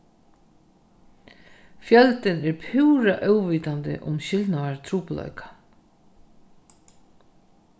fjøldin er púra óvitandi um skilnaðartrupulleikan